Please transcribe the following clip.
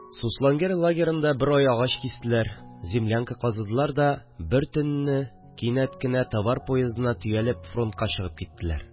Суслонгер лагерында бер ай агач кистеләр, землянка казыдылар да, бер төнне кинәт кенә товар поездына төялеп фронтка чыгып киттеләр